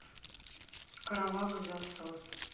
кровавый засос